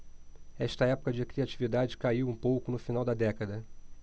esta época de criatividade caiu um pouco no final da década